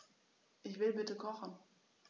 Ich will bitte kochen.